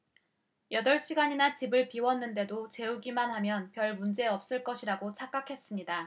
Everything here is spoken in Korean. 여덟 시간이나 집을 비웠는데도 재우기만하면 별문제 없을 것이라고 착각했습니다